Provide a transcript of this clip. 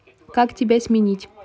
как тебя сменить